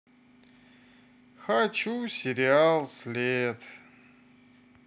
хочу сериал след